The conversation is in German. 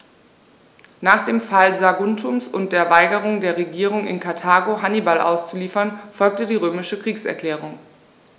Nach dem Fall Saguntums und der Weigerung der Regierung in Karthago, Hannibal auszuliefern, folgte die römische Kriegserklärung.